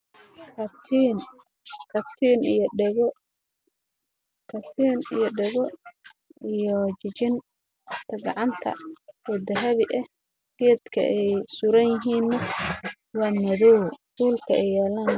Katiinad iyo dhago iyo jijinta gacanta ayaa suran geedka